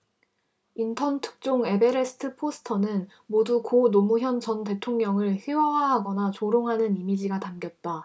인턴 특종 에베레스트 포스터는 모두 고 노무현 전 대통령을 희화화하거나 조롱하는 이미지가 담겼다